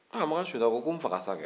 an makan sunjata ko n faga sa kɛ